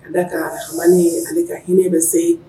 A kamani ale ka hinɛ bɛ se ye